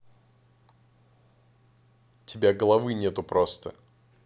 тебя головы нету просто